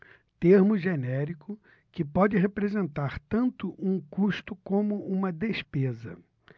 termo genérico que pode representar tanto um custo como uma despesa